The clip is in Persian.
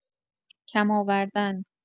کم آوردن